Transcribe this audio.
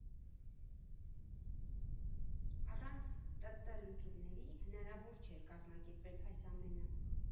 Առանց ՏՏ լուծումների հնարավոր չէր կազմակերպել այս ամենը։